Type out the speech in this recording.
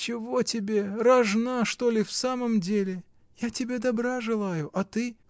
— Чего тебе: рожна, что ли, в самом деле? Я тебе добра желаю, а ты.